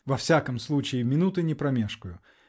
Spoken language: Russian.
Во всяком случае -- минуты не промешкаю.